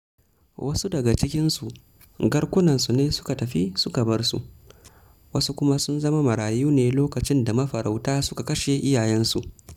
Wasu daga cikinsu garkunansu ne suka tafi suka bar su, wasu kuma sun zama marayu ne lokacin da mafarauta suka kashe iyayensu.